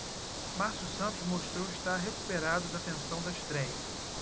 márcio santos mostrou estar recuperado da tensão da estréia